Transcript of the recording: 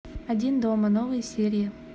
один дома новые серии